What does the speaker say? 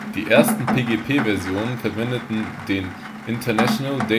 Die ersten PGP-Versionen verwendeten den IDEA